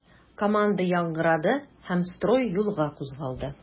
Команда яңгырады һәм строй юлга кузгалды.